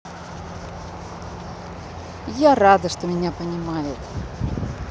я рада что меня понимает